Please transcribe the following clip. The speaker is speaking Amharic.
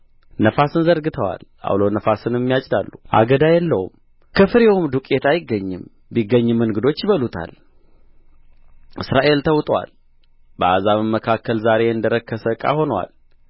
ነፍስን ዘርተዋል ዐውሎ ነፍስንም ያጭዳሉ አገዳ የለውም ከፍሬውም ዱቄት አይገኝም ቢገኝም እንግዶች ይበሉታል እስራኤል ተውጦአል በአሕዛብም መካከል ዛሬ እንደ ረከሰ ዕቃ ሆኖአል